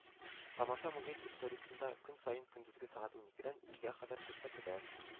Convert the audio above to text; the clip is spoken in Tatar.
Тамаша музей территориясендә көн саен көндезге сәгать уникедән икегә кадәр күрсәтелә